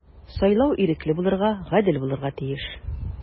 Сайлау ирекле булырга, гадел булырга тиеш.